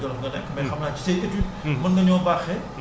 fii ci biir Louga dëgg la Daara Djolof nga ne